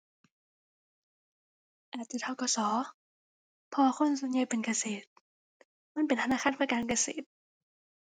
อาจจะ ธ.ก.ส. เพราะว่าคนส่วนใหญ่เป็นเกษตร มันเป็นธนาคารเพื่อการเกษตร